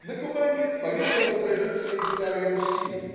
На Кубани повеяло традицией старой Руси.